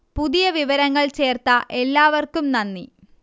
പുതിയ വിവരങ്ങൾ ചേർത്ത എല്ലാവർക്കും നന്ദി